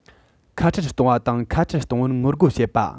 ཁ བྲལ གཏོང བ དང ཁ བྲལ གཏོང བར ངོ རྒོལ བྱེད པ